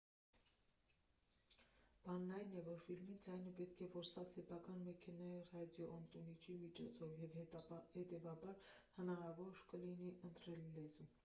Բանն այն է, որ ֆիլմի ձայնը պետք է որսալ սեփական մեքենայի ռադիոընդունիչի միջոցով և, հետևաբար, հնարավոր կլինի ընտրել լեզուն։